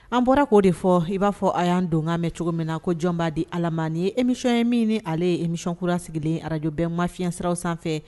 An bɔra k'o de fɔ i b'a fɔ a y'an don mɛn cogo min na ko jɔnbaa di ala ma emi nisɔnsɔn ye min ni ale emi nisɔnkura sigilen arajo bɛɛmafisiraraw sanfɛ